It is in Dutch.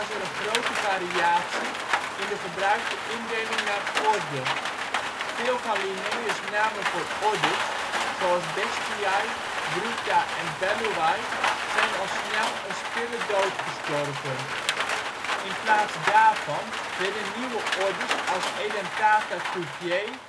een grote variatie in de gebruikte indeling naar orde. Veel van Linnaeus ' namen voor ordes, zoals Bestiae, Bruta en Belluae, zijn al snel een stille dood gestorven. In plaats daarvan werden nieuwe ordes als Edentata Cuvier, 1798